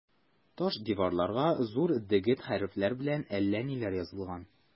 Таш диварларга зур дегет хәрефләр белән әллә ниләр язылган.